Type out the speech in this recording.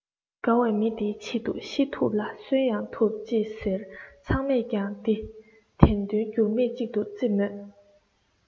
དགའ བའི མི དེའི ཆེད དུ ཤི ཐུབ ལ གསོན ཡང ཐུབ ཅེས ཟེར ཚང མས ཀྱང དེ བདེན དོན འགྱུར མེད ཅིག ཏུ བརྩི མོད